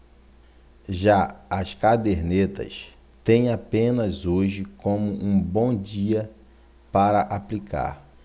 já as cadernetas têm apenas hoje como um bom dia para aplicar